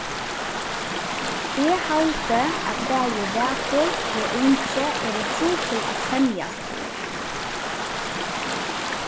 eg haldi at bæði rakul og ingi eru trupul at semjast við